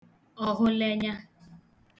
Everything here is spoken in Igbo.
ọ̀hụlenya